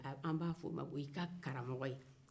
o y'i ka karamɔgɔ ye